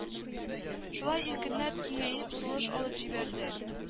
Шулай иркенләп киңәеп сулыш алып җибәрде